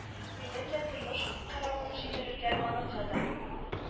Минем дә тормыш корабым җимерелгән аныкы да